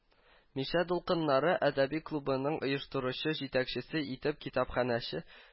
“мишә дулкыннары” әдәби клубының оештыручы-җитәкчесе итеп китапханәче